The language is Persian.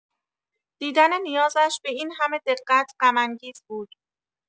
دیدن نیازش به این‌همه دقت غم‌انگیز بود.